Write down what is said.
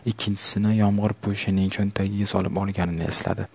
ikkinchisini yompo'shining cho'ntagiga solib olganini esladi